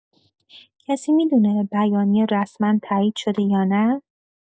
کسی می‌دونه بیانیه رسما تایید شده یا نه؟